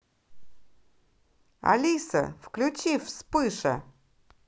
алиса включи вспыша